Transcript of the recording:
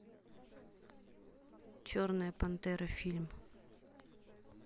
черная пантера фильм